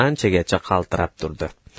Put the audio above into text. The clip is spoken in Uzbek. anchagacha qaltirab turdi